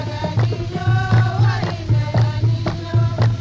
sanunɛgɛnin yo warinɛgɛnin yo